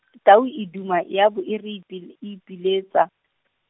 tau e duma e a bo e re ipe- ipeletsa .